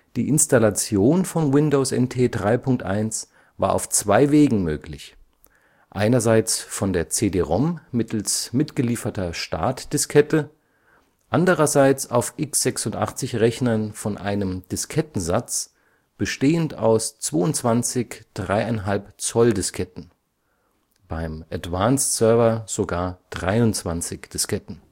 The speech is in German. Die Installation von Windows NT 3.1 war auf zwei Wegen möglich: einerseits von der CD-ROM mittels mitgelieferter Startdiskette, andererseits auf x86-Rechnern von einem Diskettensatz bestehend aus 22 3,5 "- Disketten (beim Advanced Server 23 Disketten